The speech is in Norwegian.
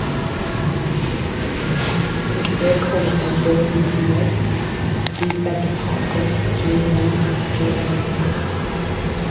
- Hvis det kommer en båt i tillegg, vil begge tape, tror Nils-Otto Eriksen.